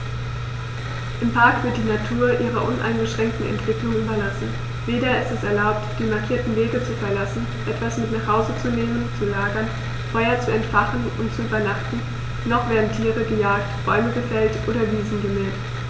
Im Park wird die Natur ihrer uneingeschränkten Entwicklung überlassen; weder ist es erlaubt, die markierten Wege zu verlassen, etwas mit nach Hause zu nehmen, zu lagern, Feuer zu entfachen und zu übernachten, noch werden Tiere gejagt, Bäume gefällt oder Wiesen gemäht.